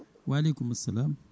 wa aleykumu salam